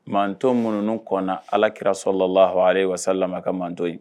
Manto minnu n'u kɔnna Alakira salalahu alehi wasalalama ka manto ɲɛ